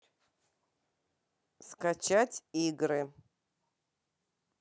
скачать игры